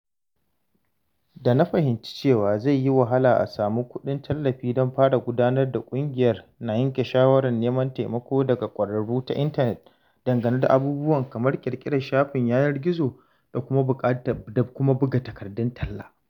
Da na fahimci cewa zai yi wahala a samu kuɗin tallafi don fara gudanar da ƙungiyar, na yanke shawarar neman taimako daga ƙwararru ta intanet dangane da abubuwa kamar ƙirƙirar shafin yanar gizo da kuma buga takardun talla.